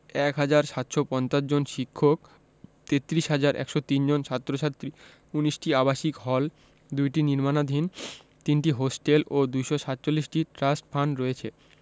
১ হাজার ৭৫০ জন শিক্ষক ৩৩ হাজার ১০৩ জন ছাত্র ছাত্রী ১৯টি আবাসিক হল ২টি নির্মাণাধীন ৩টি হোস্টেল ও ২৪৭টি ট্রাস্ট ফান্ড রয়েছে